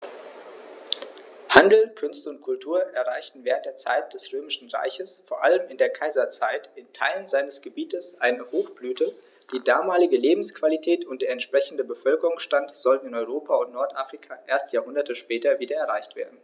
Handel, Künste und Kultur erreichten während der Zeit des Römischen Reiches, vor allem in der Kaiserzeit, in Teilen seines Gebietes eine Hochblüte, die damalige Lebensqualität und der entsprechende Bevölkerungsstand sollten in Europa und Nordafrika erst Jahrhunderte später wieder erreicht werden.